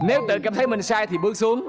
nếu tự cảm thấy mình sai thì bước xuống